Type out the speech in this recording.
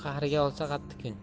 qahriga olsa qatti kun